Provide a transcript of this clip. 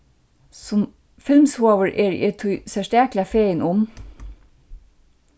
sum filmshugaður eri eg tí serstakliga fegin um